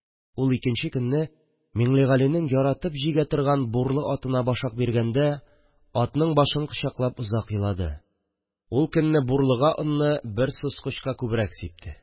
Ул икенче көнне Миңлегалинең яратып җигә торган бурлы атына башак биргәндә атның башын кочаклап озак елады, ул көнне бурлыга онны бер соскычка күбрәк сипте